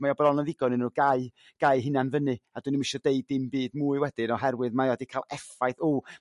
mae o bron yn ddigon i nhw gau gau 'u hunan fynny a dyn nhw 'im isio dim byd mwy wedyn oherwydd mae o 'di cael effaith www